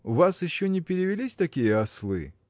У вас еще не перевелись такие ослы?